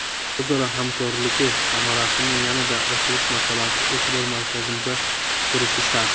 o'zaro hamkorligi samarasini yanada oshirish masalasi e'tibor markazimizda turishi shart